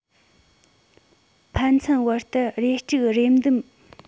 ཕན ཚུན བར དུ རེས དཀྲུགས རེས སྡུམ མང དུ བྱུང བ